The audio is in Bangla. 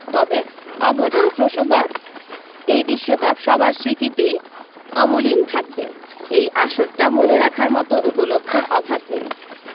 তবে অঘটনপ্রসবা এই বিশ্বকাপ সবার স্মৃতিতেই অমলিন থাকবে এই আসরটা মনে রাখার মতো উপলক্ষের অভাব নেই